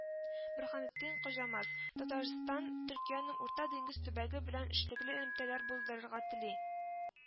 Борһанеттин Коҗамаз: Татарстан Төркиянең Урта диңгез төбәге белән эшлекле элемтәләр булдырырга тели